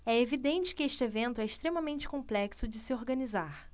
é evidente que este evento é extremamente complexo de se organizar